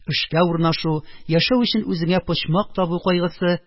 Эшкә урнашу, яшәү өчен үзеңә почмак табу кайгысы